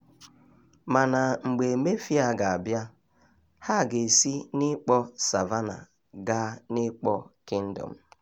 Mana mgbe mefịa ga-abịa, ha ga-esi n'ịkpọ "Savannah" gaa n'ịkpọ Kingdom'